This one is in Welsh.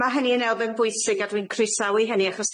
Ma' hynny yn elfen bwysig a dwi'n croesawu hynny achos